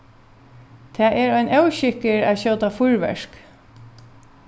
tað er ein óskikkur at skjóta fýrverk